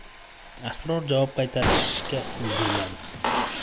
sror javob qaytarishga ulgurmadi